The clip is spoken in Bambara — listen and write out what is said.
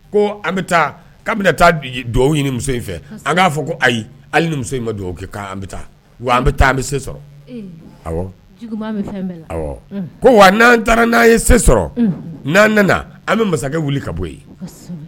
Ko an bɛ taa' bɛna taa dugawu ɲini muso in fɛ an'a fɔ ko ayi hali in ma dugawu kɛ an bɛ taa wa an bɛ taa an bɛ sɔrɔ ko wa n'an taara n'an ye sen sɔrɔ n'an nana an bɛ masakɛ wili ka bɔ yen